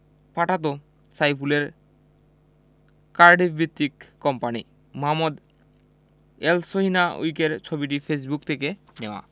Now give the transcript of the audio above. পাঠাত সাইফুলের কার্ডিফভিত্তিক কোম্পানি মোহাম্মদ এলসহিনাউয়িকের ছবিটি ফেসবুক থেকে নেওয়া